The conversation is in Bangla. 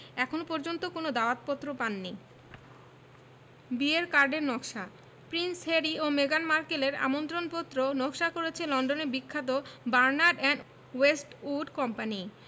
এখন পর্যন্ত কোনো দাওয়াতপত্র পাননি বিয়ের কার্ডের নকশা প্রিন্স হ্যারি ও মেগান মার্কেলের আমন্ত্রণপত্র নকশা করছে লন্ডনের বিখ্যাত বার্নার্ড অ্যান্ড ওয়েস্টউড কোম্পানি